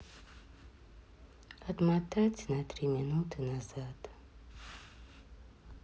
отмотать на три минуты назад